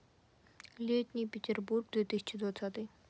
летний петербург две тысячи двадцатый